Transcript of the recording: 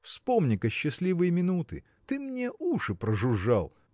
Вспомни-ка счастливые минуты: ты мне уши прожужжал.